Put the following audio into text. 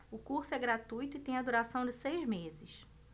o curso é gratuito e tem a duração de seis meses